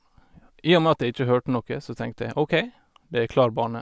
Ja, i og med at jeg ikke hørte noe, så tenkte jeg OK, det er klar bane.